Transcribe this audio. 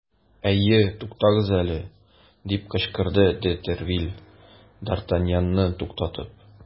Әйе, тукагыз әле! - дип кычкырды де Тревиль, д ’ Артаньянны туктатып.